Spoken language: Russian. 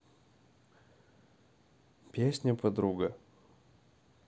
песня подруга